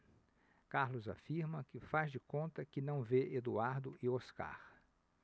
carlos afirma que faz de conta que não vê eduardo e oscar